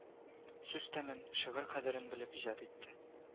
Сүз тәмен, шигырь кадерен белеп иҗат итте